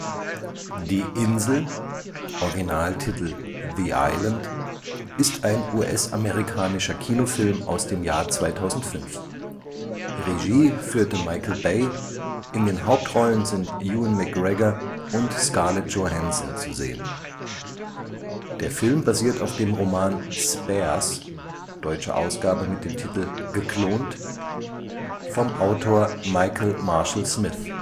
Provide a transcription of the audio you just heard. Die Insel (Originaltitel: The Island) ist ein US-amerikanischer Kinofilm aus dem Jahr 2005. Regie führte Michael Bay, in den Hauptrollen sind Ewan McGregor und Scarlett Johansson zu sehen. Der Film basiert auf dem Roman Spares (dt. Titel: Geklont) von Michael Marshall Smith